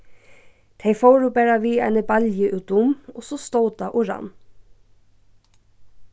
tey fóru bara við eini balju útum og so stóð tað og rann